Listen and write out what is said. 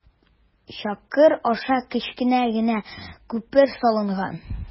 Чокыр аша кечкенә генә күпер салынган.